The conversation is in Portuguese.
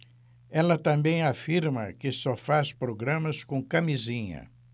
ela também afirma que só faz programas com camisinha